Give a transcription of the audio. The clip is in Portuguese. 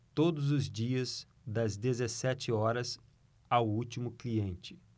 todos os dias das dezessete horas ao último cliente